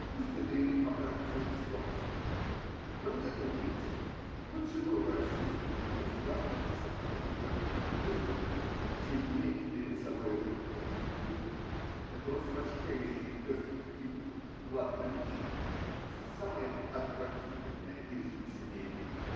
Пусть это иным покажется жестокостью, но, мне думается, лучше было бы российскому еврейству остаться совсем взаперти, без выхода, чем иметь перед собою этот один выход, эту развращающую перспективу уплаты наличными за самое отвратительное из лицемерии.